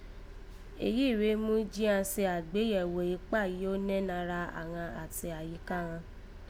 Èyí rèé mú jí a ṣe àgbéyẹ̀wò ikpa yìí gho nẹ́ nara àghan àti àyíká ghan